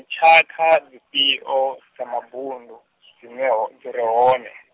tshakha dzi fhio, dza mabundu, dzire ho dzire hone?